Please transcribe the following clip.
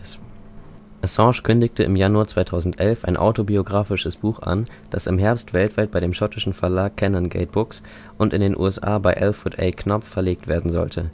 Assange kündigte im Januar 2011 ein autobiographisches Buch an, das im Herbst weltweit bei dem schottischen Verlag Canongate Books und in den USA bei Alfred A. Knopf verlegt werden sollte